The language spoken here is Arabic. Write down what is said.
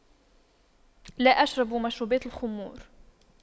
لا أشرب مشروبات الخمور